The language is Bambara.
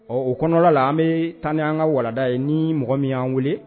Ɔ o kɔnɔna la an bɛ tan an ka warada ye ni mɔgɔ min y'an weele